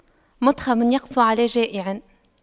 مُتْخَمٌ يقسو على جائع